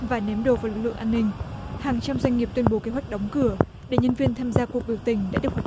và ném đồ vật lượng an ninh hàng trăm doanh nghiệp tuyên bố kế hoạch đóng cửa để nhân viên tham gia cuộc biểu tình đã được hoạch